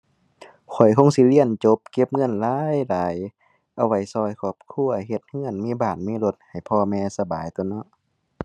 ข้อยคงสิเรียนจบ เก็บเงินหลายหลาย เอาไว้ช่วยครอบครัวเฮ็ดช่วย มีบ้าน มีรถ ให้พ่อแม่สบายตั่วเนาะ